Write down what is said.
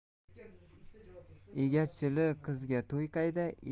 egachili qizga to'y qayda